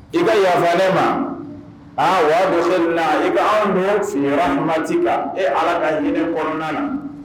I ka yaafa ne ma i ka anw don e Ala ka hinɛ kɔnɔna na